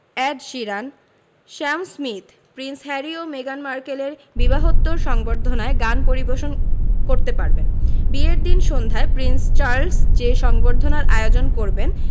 add Sheeran Sam Smith Prince Harry ও মেগান মার্কেলের বিবাহোত্তর সংবর্ধনায় গান পরিবেশন করতে পারেন বিয়ের দিন সন্ধ্যায় প্রিন্স চার্লস যে সংবর্ধনার আয়োজন করবেন